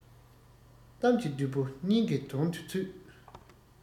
གཏམ གྱི བདུད པོ སྙིང གི དོང དུ ཚུད